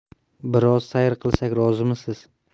biroz sayr qilsak rozimisiz